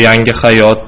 yangi hayot